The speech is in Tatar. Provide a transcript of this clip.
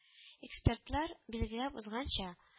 Экспертлар билгеләп узганча